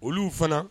Oluu fana